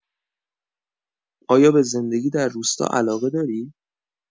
آیا به زندگی در روستا علاقه داری؟